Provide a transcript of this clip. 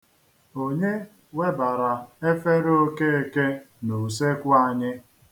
Onye webara efere Okeke n'usekwu anyị?